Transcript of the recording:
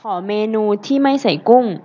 ขอเมนูที่ไม่ใส่กุ้ง